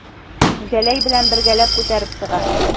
Җәләй белән бергәләп күтәреп чыга.